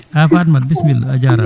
ah Farmata bisimilla a jarama